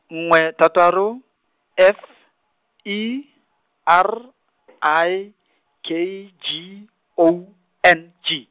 nngwe thataro, F E R I K G O N G.